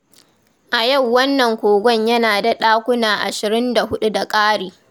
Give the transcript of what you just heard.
A yau, wannan kogon yana da ɗakuna 24 da ƙari.